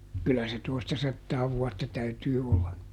kyllä se toistasataa vuotta täytyy olla